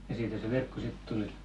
ja siitä se verkko sitten tuli